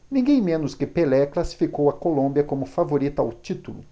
ninguém menos que pelé classificou a colômbia como favorita ao título